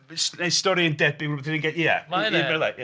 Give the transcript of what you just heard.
Neu stori debyg. Ie hyd y gwela' i.